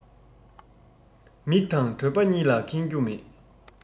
མིག དང གྲོད པ གཉིས ལ ཁེངས རྒྱུ མེད